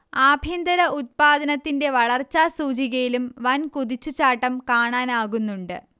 ആഭ്യന്തര ഉത്പാദനത്തിന്റെ വളർച്ചാ സൂചികയിലും വൻകുതിച്ചു ചാട്ടം കാണാനാകുന്നുണ്ട്